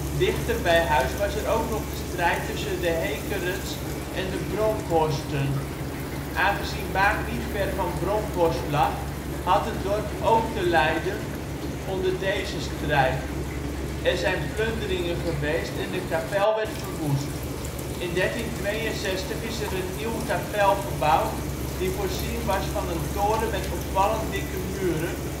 Dichter bij huis was er ook nog de strijd tussen de Heekerens en de Bronkhorsten. Aangezien Baak niet ver van Bronkhorst lag, had het dorp ook te lijden onder deze strijd; er zijn plunderingen geweest en de kapel werd verwoest. In 1362 is er een nieuwe kapel gebouwd, die voorzien was van een toren met opvallend dikke muren